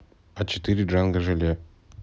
а четыре джанга желе